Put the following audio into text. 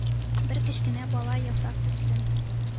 Бер кечкенә бала, яфрак төсле